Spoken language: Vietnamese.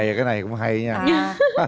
hay cái này cũng hay á nha